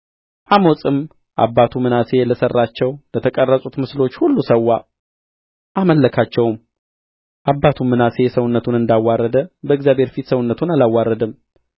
አሞጽም አባቱ ምናሴ ለሠራቸው ለተቀረጹት ምስሎች ሁሉ ሠዋ አመለካቸውም አባቱም ምናሴ ሰውነቱን እንዳዋረደ በእግዚአብሔር ፊት አንዳላዋረደ በእግዚአብሔርም ሰውነቱን አላዋረደም